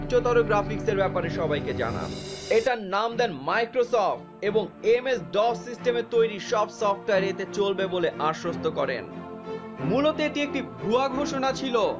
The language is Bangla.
এবং মাইক্রোসফট এর উচ্চতর গ্রাফিক্স সম্পর্কে সবাইকে জানান এটার নাম দেন মাইক্রোসফট এবং এমএস-ডস সিস্টেমের তৈরি ধরনের সফটওয়্যার এতে চলবে বলে আশ্বস্ত করেন মূলত এটি একটি ভুয়া ঘোষণা ছিল